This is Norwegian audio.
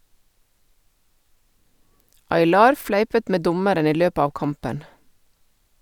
Aylar fleipet med dommeren i løpet av kampen.